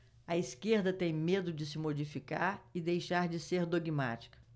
a esquerda tem medo de se modificar e deixar de ser dogmática